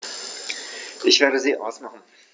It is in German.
Ich werde sie ausmachen.